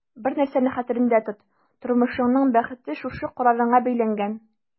Бер нәрсәне хәтерендә тот: тормышыңның бәхете шушы карарыңа бәйләнгән.